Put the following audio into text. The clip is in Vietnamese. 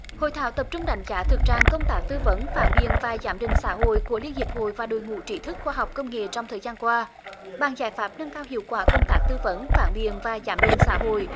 hội thảo tập trung đánh giá thực trạng công tác tư vấn phản biện và giám định xã hội của liên hiệp hội và đội ngũ trí thức khoa học công nghệ trong thời gian qua bàn giải pháp nâng cao hiệu quả công tác tư vấn phản biện và giám định xã hội